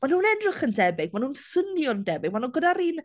Maen nhw'n edrych yn debyg, maen nhw'n swnio'n debyg, maen nhw gyda'r un...